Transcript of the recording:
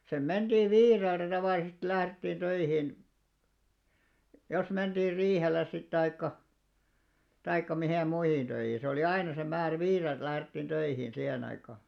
sinne mentiin viideltä tavallisesti lähdettiin töihin jos mentiin riihelle sitten tai tai miten muihin töihin se oli aina se määrä viideltä lähdettiin töihin siihen aikaan